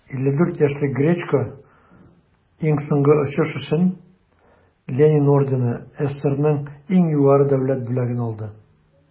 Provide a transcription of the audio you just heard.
54 яшьлек гречко иң соңгы очыш өчен ленин ордены - сссрның иң югары дәүләт бүләген алды.